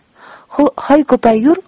hoy ko'paygur